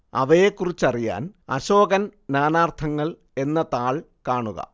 അവയെക്കുറിച്ചറിയാന്‍ അശോകന്‍ നാനാര്‍ത്ഥങ്ങള്‍ എന്ന താള്‍ കാണുക